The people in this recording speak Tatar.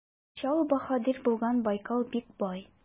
Чал баһадир булган Байкал бик бай.